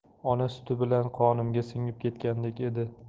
ona suti bilan qonimga singib ketgandek edi